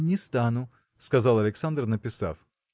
– Не стану, – сказал Александр, написав.